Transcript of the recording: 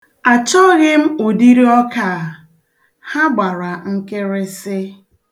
Achọghị m ụdịrị ọka a, ha gbara nkịrịsị.